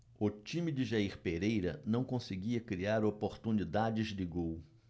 o time de jair pereira não conseguia criar oportunidades de gol